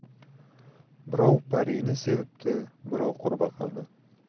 birov parini sevibdi birov qurbaqani